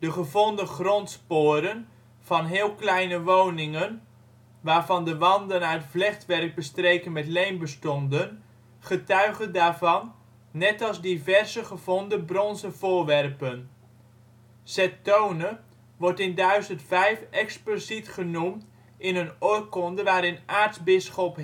gevonden grondsporen van heel kleine woningen, waarvan de wanden uit vlechtwerk bestreken met leem bestonden, getuigen daarvan net als diverse gevonden bronzen voorwerpen. Sethone (Zetten) wordt in 1005 expliciet genoemd in een oorkonde waarin aartsbisschop